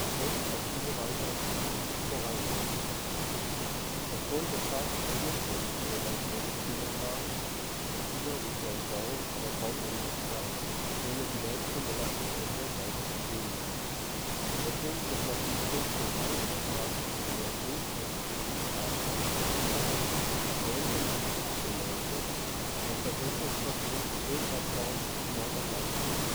und auf diese Weise ein künstliches Korallenriff zu schaffen. Aufgrund der starken Verschmutzung einer solchen Industrieanlage ist dieser Weg der Entsorgung aber kaum umsetzbar, ohne die meistens schon belastete Umwelt weiter zu schädigen. Deswegen beschlossen die 15 Teilnehmerstaaten der OSPAR-Konferenz 1998 ein Versenkungsverbot für Ölplattformen im Nordatlantik